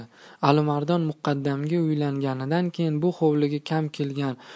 alimardon muqaddamga uylanganidan keyin bu hovliga kam kelgan